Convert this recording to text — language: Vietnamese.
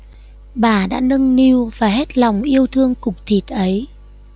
bà đã nâng niu và hết lòng yêu thương cục thịt ấy